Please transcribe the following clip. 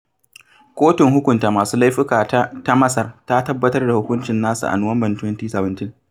Kotun hukunta masu laifuka ta Masar ta tabbatar da hukuncin nasa a Nuwamban 2017.